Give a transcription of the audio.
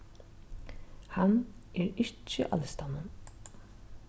hann er ikki á listanum